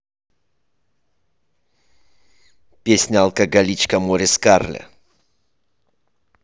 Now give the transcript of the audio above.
песня алкоголичка морис карле